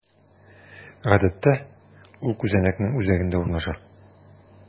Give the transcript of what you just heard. Гадәттә, ул күзәнәкнең үзәгендә урнаша.